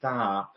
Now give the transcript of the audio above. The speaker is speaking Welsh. da